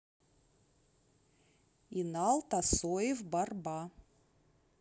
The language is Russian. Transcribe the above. инал тасоев барба